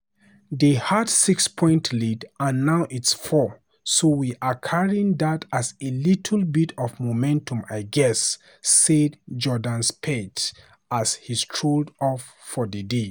"They had a six-point lead and now it's four, so we are carrying that as a little bit of momentum I guess," said Jordan Spieth as he strolled off for the day.